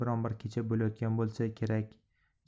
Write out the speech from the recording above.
biron bir kecha bo'layotgan bo'lsa kerak